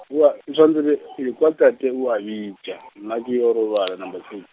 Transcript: oa, etšwa re le, e le kwa tate o a bitša, nna ke yo robala, number two.